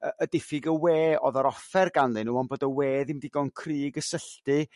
yrr y diffyg y we o'dd yr offer ganddyn nhw ond bod y we dim digon cry i gysylltu